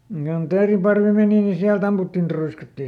kun teeriparvi meni niin sieltä ammuttiin truiskattiin